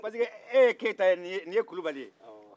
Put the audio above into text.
parce que e ye keta ye ni ye kulubali ye